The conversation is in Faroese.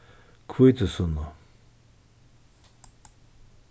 hvítusunna